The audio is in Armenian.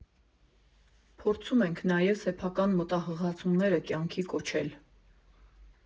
Փորձում ենք նաև սեփական մտահղացումները կյանքի կոչել։